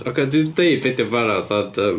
Ok, dwi 'di deud be 'di o'n barod ond yym...